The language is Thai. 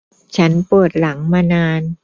ฉันปวดหลังมานาน